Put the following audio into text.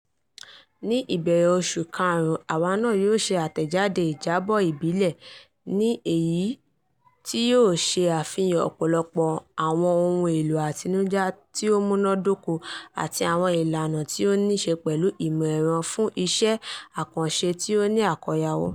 Ní ìbẹ̀rẹ̀ oṣù Karùn-ún àwa náà yóò ṣe àtẹ̀jáde ìjábọ̀ PDF ìbílẹ̀ ní èyí tí yóò ṣe àfihàn ọ̀pọ̀lọpọ̀ àwọn ohun èlò àtinúdá tí ó múnádóko àti àwọn ìlànà tí ó níí ṣe pẹ̀lú ìmọ̀ ẹ̀rọ fún iṣẹ́ àkànṣe tí ó ní àkóyawọ́.